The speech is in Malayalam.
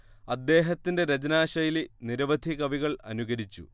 അദ്ദേഹത്തിന്റെ രചനാശൈലി നിരവധി കവികൾ അനുകരിച്ചു